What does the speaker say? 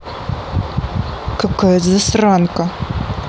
какая засранка